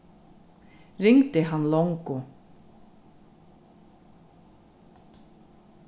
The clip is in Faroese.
ringdi hann longu